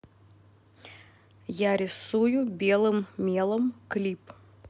я рисую белым мелом клип